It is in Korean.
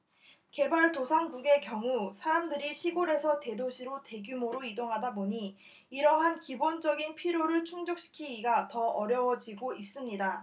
개발도상국의 경우 사람들이 시골에서 대도시로 대규모로 이동하다 보니 이러한 기본적인 필요를 충족시키기가 더 어려워지고 있습니다